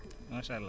macha allah